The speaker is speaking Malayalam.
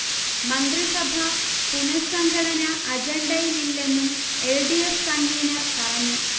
മന്ത്രിസഭ പുനഃസംഘടന അജണ്ടയിലില്ലെന്നും എൽ. ഡി. എഫ്. കൺവീനർ പറഞ്ഞു